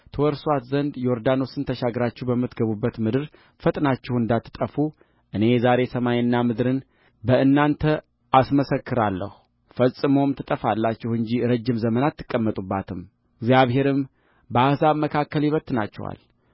ትወርሱአት ዘንድ ዮርዳኖስን ተሻግራችሁ ከምትገቡባት ምድር ፈጥናችሁ እንድትጠፉ እኔ ዛሬ ሰማይንና ምድርን በእናንተ አስመሰክራለሁ ፈጽሞም ትጠፋላችሁ እንጂ ረጅም ዘመን አትቀመጡባትምእግዚአብሔርም በአሕዛብ መካከል ይበትናችኋል